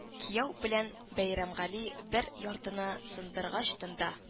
Кияү белән Бәйрәмгали бер яртыны сындыргачтын да